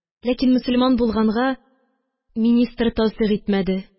Ләкин мөселман булганга, министр тасдыйк итмәде